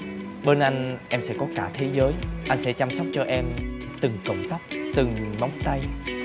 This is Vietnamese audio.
bên anh em sẽ có cả thế giới anh sẽ chăm sóc cho em từng cộng tóc từng móng tay